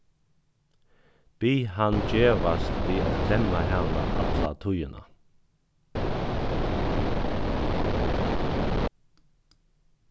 bið hann gevast við at klemma hana alla tíðina